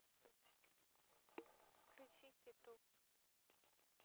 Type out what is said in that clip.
включить ютуб